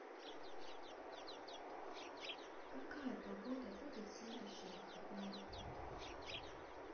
какая погода будет в следующие выходные